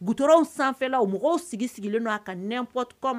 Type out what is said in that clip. Gtraw sanfɛla o mɔgɔw sigi sigilen don a ka np ma